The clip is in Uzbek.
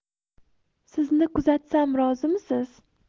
sizni kuzatsam rozimisiz